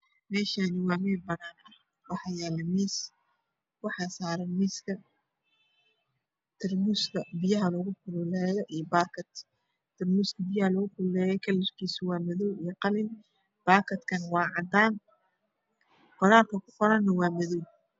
Mashan waa yalo mis oo cadan waxaa saran katal iyo bakadisa katal kalar kisi waa qalin